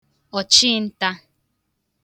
ọ̀chịn̄tā